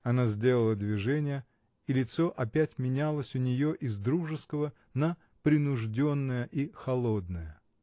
Она сделала движение, и лицо опять менялось у нее из дружеского на принужденное и холодное.